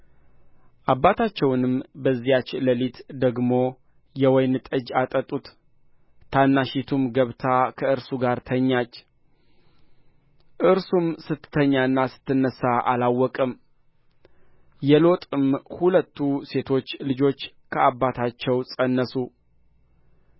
አባታቸውንም በዚያች ሌሊት ደግሞ የወይን ጠጅ አጠጡት ታናሺቱም ገብታ ከእርሱ ጋር ተኛች እርሱም ስትተኛና ስትነሣ አላወቀም የሎጥም ሁለቱ ሴቶች ልጆች ከአባታቸው ፀነሱ